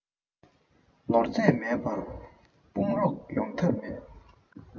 ནོར རྫས མེད པར དཔུང རོགས ཡོང ཐབས མེད